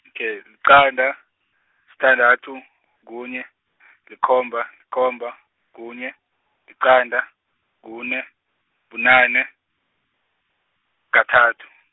okay liqanda, sithandathu, kunye , likhomba, likhomba, kunye, liqanda, kune, bunane, kathathu.